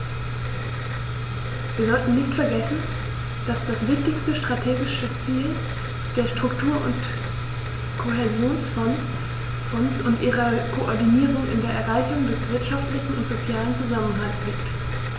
Wir sollten nicht vergessen, dass das wichtigste strategische Ziel der Struktur- und Kohäsionsfonds und ihrer Koordinierung in der Erreichung des wirtschaftlichen und sozialen Zusammenhalts liegt.